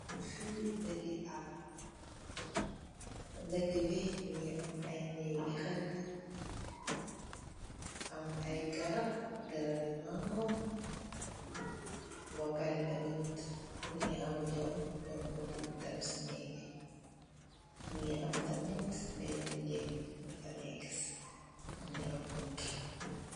Fii deke aale la, deke bi mingi am ay neegi xatde, am ay garab, garab bi mango, bapare tamit, mingi am yoon, bu dugu si neek yi, mingi am tamin benna leem bu fanek, mingi am buntu